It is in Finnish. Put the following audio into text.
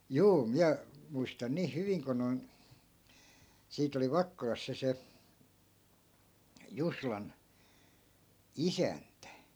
juu minä muistan niin hyvin kun noin siitä oli Vakkolassa se se Juslan isäntä